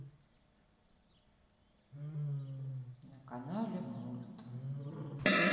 на канале мульт